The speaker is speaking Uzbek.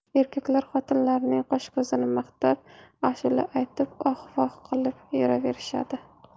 erkaklar xotinlarning qoshko'zini maqtab ashula aytib oh voh qilib yuraverishadi